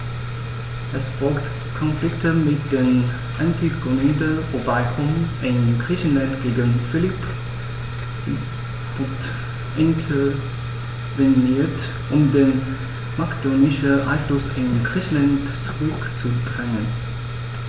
Es folgten Konflikte mit den Antigoniden, wobei Rom in Griechenland gegen Philipp V. intervenierte, um den makedonischen Einfluss in Griechenland zurückzudrängen.